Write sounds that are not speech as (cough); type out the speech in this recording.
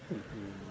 (hesitation) (hesitation)